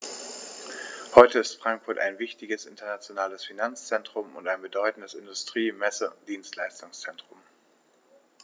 Heute ist Frankfurt ein wichtiges, internationales Finanzzentrum und ein bedeutendes Industrie-, Messe- und Dienstleistungszentrum.